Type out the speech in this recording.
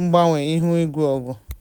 mgbanwe ihuigwe ọgụ